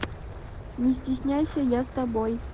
не стесняйся я с тобой